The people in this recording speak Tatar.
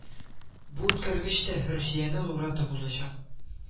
Бу үткәргеч тә Русияне уратып узачак